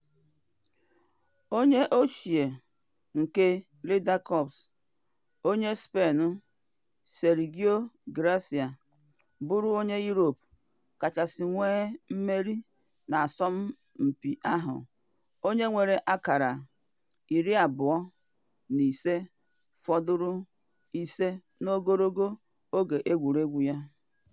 Onye ochie nke Ryder Cups, onye Spain Sergio Garcia bụrụ onye Europe kachasị nwee mmeri na asọmpi ahụ, onye nwere akara 25.5 n’ogologo oge egwuregwu ya.